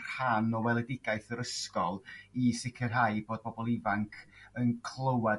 rhan o weledigaeth yr ysgol i sicrhau bod bobol ifanc yn clywad